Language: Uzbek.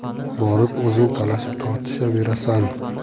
borib o'zing talashibtortishaverasan